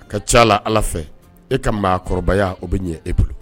A ka ca la Ala fɛ e ka maakɔrɔbaya o bɛ ɲɛ e bolo